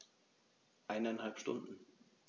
Eineinhalb Stunden